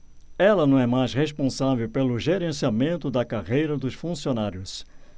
ela não é mais responsável pelo gerenciamento da carreira dos funcionários